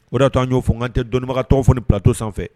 O de da tun' an'o fougante dɔnnibagagan tɔn kunnafoni ni pto sanfɛ